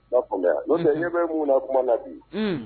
Ba faamuya no tɛ ne bɛ mun na tuma na bi